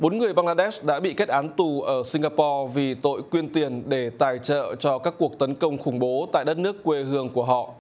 bốn người băng la đét đã bị kết án tù ở sinh ga po vì tội quyên tiền để tài trợ cho các cuộc tấn công khủng bố tại đất nước quê hương của họ